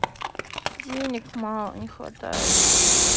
денег мало не хватает